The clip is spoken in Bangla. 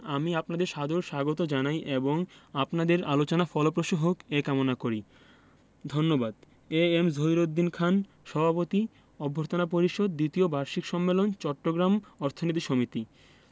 আমি আপনাদের সাদর স্বাগত জানাই এবং আপনাদের আলোচনা ফলপ্রসূ হোক এ কামনা করি ধন্যবাদ এ এম জহিরুদ্দিন খান সভাপতি অভ্যর্থনা পরিষদ দ্বিতীয় বার্ষিক সম্মেলন চট্টগ্রাম অর্থনীতি সমিতি